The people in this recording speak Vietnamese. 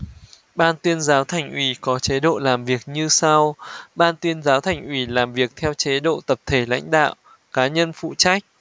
ban tuyên giáo thành ủy có chế độ làm việc như sau ban tuyên giáo thành ủy làm việc theo chế độ tập thể lãnh đạo cá nhân phụ trách